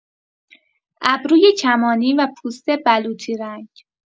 ابروی کمانی و پوست بلوطی‌رنگ